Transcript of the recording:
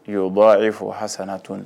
Y bɔra e fɔ ha san to